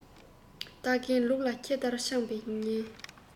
སྟག རྒན ལུག ལ ཁྱི ལྟར མཆོངས པས ཉེས